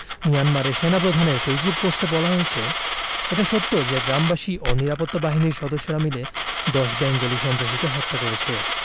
মিয়ানমারের সেনাপ্রধানের ফেসবুক পোস্টে বলা হয়েছে এটা সত্য যে গ্রামবাসী ও নিরাপত্তা বাহিনীর সদস্যরা মিলে ১০ বেঙ্গলি সন্ত্রাসীকে হত্যা করেছে